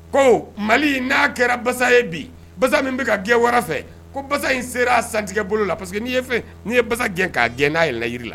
Ko mali na kɛra basa ye bi, Basa min bɛ ka gɛn wara fɛ ko basa in sera a santigɛ bolo la parparce que ni ye fɛn. Ni ye basa gɛn ka gɛn na yɛlɛn la yiri la